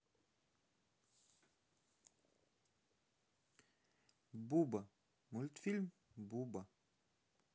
буба мультфильм буба